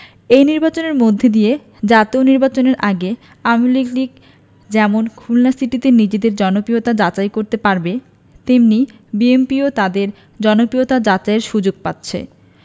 এই নির্বাচনের মধ্য দিয়ে জাতীয় নির্বাচনের আগে আওয়ামী লীগ যেমন খুলনা সিটিতে নিজেদের জনপ্রিয়তা যাচাই করতে পারবে তেমনি বিএনপিও তাদের জনপ্রিয়তা যাচাইয়ের সুযোগ পাচ্ছে